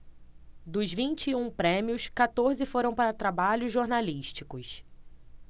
dos vinte e um prêmios quatorze foram para trabalhos jornalísticos